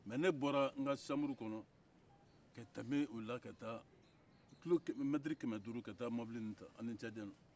mɛ ne bɔra n ka so kɔnɔ ka tɛmɛ u la ka taa mɛtɛrɛ kɛmɛ duuru ka taa mobili in ta an ni cadikaw